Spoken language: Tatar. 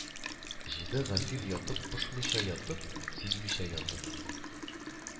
Җиде гафил ятып пошмыйча ятып; сизмичә ятып